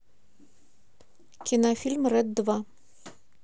кинофильм рэд два